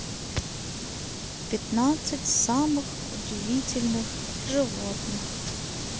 пятнадцать самых удивительных животных